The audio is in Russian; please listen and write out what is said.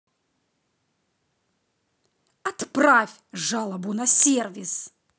отправь жалобу на сервис